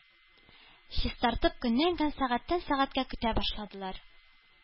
Чистартып көннән-көн, сәгатьтән-сәгатькә көтә башладылар,